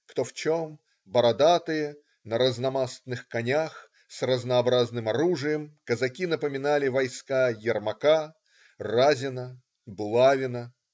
Кто в чем, бородатые, на разномастных конях, с разнообразным оружием, казаки напоминали войска Ермака, Разина, Булавина.